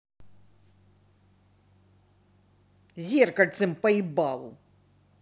зеркальцем по ебалу